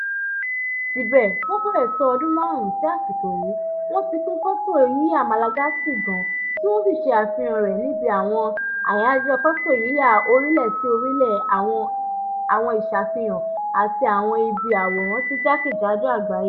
Síbẹ̀síbẹ̀, fún ó fèrẹ́ tó ọdún márùn-ún sí àsìkò yìí, wọ́n ti ń pín fọ́tọ̀yíyà Malagasy gan-an tí wọ́n sì ṣe àfihàn rẹ̀ níbi àwọn àyájọ̀ fọ́tọ̀yíyà orílẹ̀-sí-orílẹ̀, àwọn ìsàfihàn, àti àwọn ibi àwòrántí jákèjádò àgbáyé.